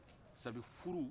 safɛ furu